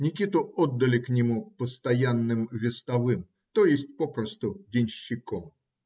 Никиту отдали к нему "постоянным вестовым", то есть попросту денщиком.